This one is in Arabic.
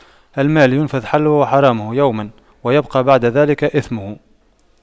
المال ينفد حله وحرامه يوماً ويبقى بعد ذلك إثمه